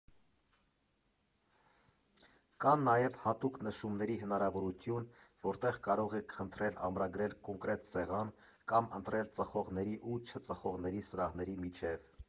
Կա նաև հատուկ նշումների հնարավորություն, որտեղ կարող եք խնդրել ամրագրել կոնկրետ սեղան կամ ընտրել ծխողների ու չծխողների սրահների միջև։